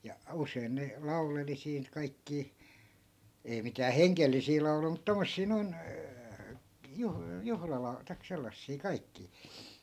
ja usein ne lauleli siinä kaikkia ei mitään hengellisiä lauluja mutta tuommoisia noin -- tai sellaisia kaikkia